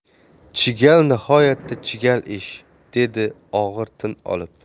chigal nihoyatda chigal ish dedi og'ir tin olib